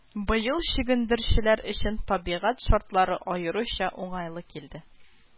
Быел чөгендерчеләр өчен табигать шартлары аеруча уңайлы килде